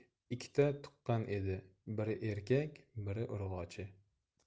tuqqan edi biri erkak biri urg'ochi